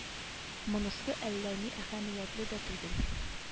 Монысы әллә ни әһәмиятле дә түгел